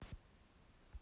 ну ты знаешь что это